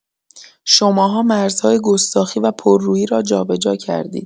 شماها مرزهای گستاخی و پررویی را جابجا کردید.